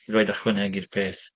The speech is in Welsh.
Bydd raid ychwanegu'r peth.